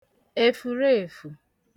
èfùreèfù